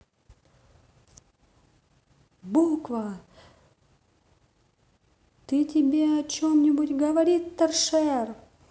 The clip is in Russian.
буква ты тебе о чем нибудь говорит торшер